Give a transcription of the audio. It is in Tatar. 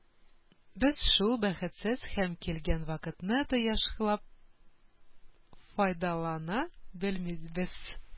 Без шул бәхетсез һәм килгән вакытны да яхшылап файдалана белмибез.